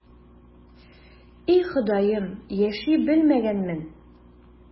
И, Ходаем, яши белмәгәнмен...